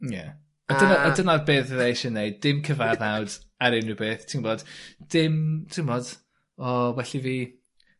Hmm ie. A... A dyna a dyna be' fyddai isie neud. Dim cyfaddawd ar unrywbeth. Ti'n gwbod? Dim t'mbod o well i fi